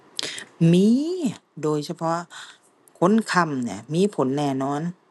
มี โดยเฉพาะคนค้ำเนี่ย มีผลแน่นอน